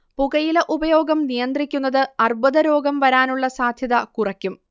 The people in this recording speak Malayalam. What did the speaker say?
പുകയില ഉപയോഗം നിയന്ത്രിക്കുന്നത് അർബുദരോഗം വരാനുള്ള സാധ്യത കുറയ്ക്കും